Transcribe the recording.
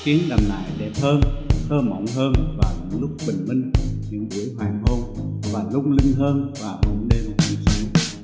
khiến đầm nại đẹp hơn thơ mộng hơn vào những lúc bình minh những buổi hoàng hôn và lung linh hơn vào những đêm trăng sáng